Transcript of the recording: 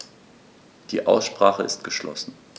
Die Aussprache ist geschlossen.